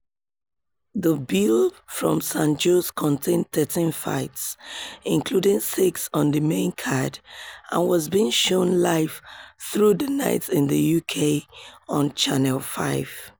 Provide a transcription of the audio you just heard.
The bill from San Jose contained 13 fights, including six on the main card and was being shown live through the night in the UK on Channel 5.